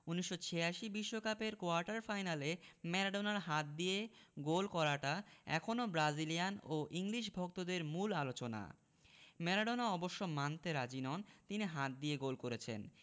১৯৮৬ বিশ্বকাপের কোয়ার্টার ফাইনালে ম্যারাডোনার হাত দিয়ে গোল করাটা এখনো ব্রাজিলিয়ান ও ইংলিশ ভক্তদের মূল আলোচনা ম্যারাডোনা অবশ্য মানতে রাজি নন তিনি হাত দিয়ে গোল করেছেন